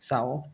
เสาร์